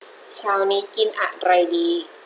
เช้านี้กินอะไรดี